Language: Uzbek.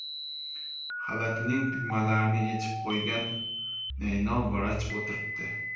xalatining tugmalarini yechib qo'ygan naynov vrach o'tiribdi